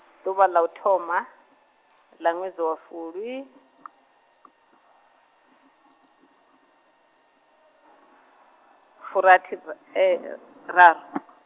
ḓuvha ḽa uthoma, ḽa ṅwedzi wa fulwi, furathi raru .